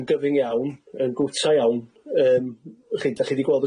yn gyfyng iawn, yn gwta iawn yym, w'chi, 'dach chi 'di gweld